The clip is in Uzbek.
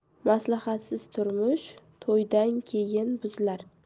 maslahatsiz turmush to'ydan keyin buzilar